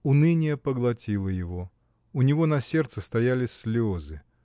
Уныние поглотило его: у него на сердце стояли слезы.